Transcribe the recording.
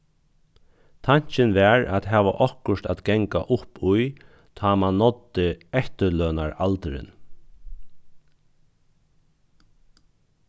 tankin var at hava okkurt at ganga upp í tá mann náddi eftirlønaraldurin